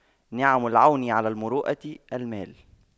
نعم العون على المروءة المال